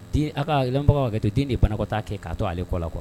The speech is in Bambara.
a ka ha dɔnnikɛbagaw ka hakɛ to, den de ye banakɔtaa kɛ ka to ale kɔ la quoi